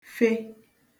fe